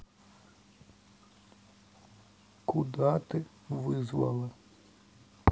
куда ты вызвала